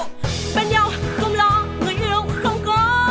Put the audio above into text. bên nhau không lo người yêu không có